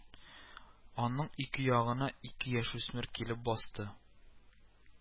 Аның ике ягына ике яшүсмер килеп басты